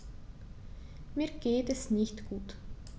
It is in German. Mir geht es nicht gut.